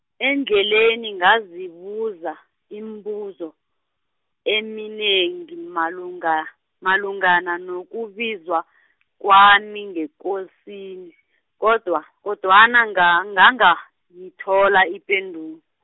endleleni ngazibuza, imibuzo, eminengi malunga malungana nokubizwa , kwami, ngekosini, kodwa, kodwana nga- ngangayithola ipendu-.